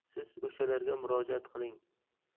siz o'shalarga murojaat qiling